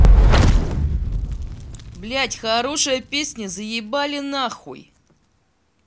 блядь хорошая песня заебали нахуй